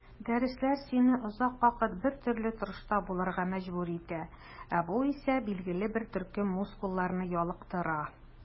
Дәресләр сине озак вакыт бертөрле торышта булырга мәҗбүр итә, ә бу исә билгеле бер төркем мускулларны ялыктыра.